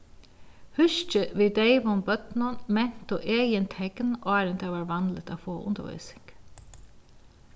húski við deyvum børnum mentu egin tekn áðrenn tað varð vanligt at fáa undirvísing